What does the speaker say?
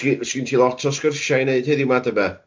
Sgi- sgin ti lot o sgyrsia i neud heddiw 'ma dyba'?